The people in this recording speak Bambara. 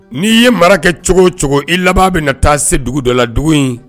N'i ye mara kɛ cogo o cogo i laban bɛna na taa se dugu dɔ la dugu in